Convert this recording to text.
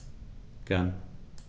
Gern.